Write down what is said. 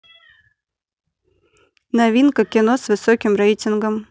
новинки кино с высоким рейтингом